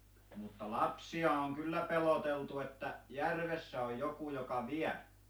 mutta lapsia on kyllä peloteltu että järvessä on joku joka vie